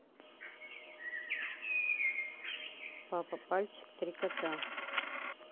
папа пальчик три кота